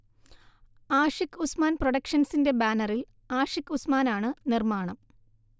ആഷിക്ഉസ്മാൻ പ്രൊഡക്ഷൻസിന്റെ ബാനറിൽ ആഷിഖ് ഉസ്മാനാണ് നിർമാണം